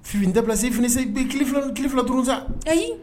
Fifi nin tɛ place ye e fɛnɛɛ sa kile 2 dɔrɔn sa. Ayi